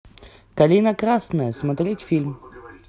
калина красная смотреть фильм